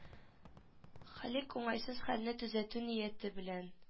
Халик уңайсыз хәлне төзәтү нияте белән